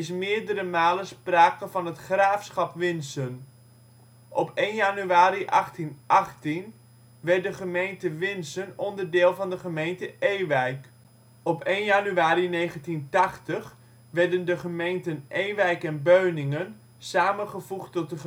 1361 is meerdere malen sprake van het graafschap Winsen. Op 1 januari 1818 werd de gemeente Winssen onderdeel van de gemeente Ewijk. Op 1 januari 1980 werden de gemeenten Ewijk en Beuningen samengevoegd tot